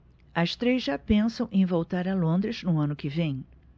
as três já pensam em voltar a londres no ano que vem